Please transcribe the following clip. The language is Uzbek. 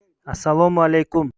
assalomu alaykum